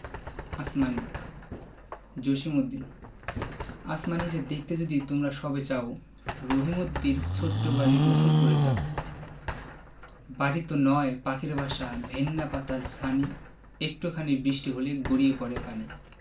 আসমানী জসিমউদ্দিন আসমানীরে দেখতে যদি তোমরা সবে চাও রহিমদ্দির ছোট্ট বাড়ি রসুলপুরে যাও বাড়িতো নয় পাখির বাসা ভেন্না পাতার ছানি একটু খানি বৃষ্টি হলেই গড়িয়ে পড়ে পানি